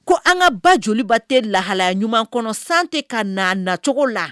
Ko an ka ba joliba tɛ lahalaya ɲuman kɔnɔ sante ka na nacogo la